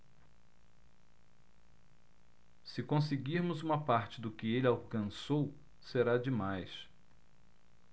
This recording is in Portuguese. se conseguirmos uma parte do que ele alcançou será demais